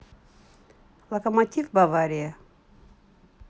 локомотив бавария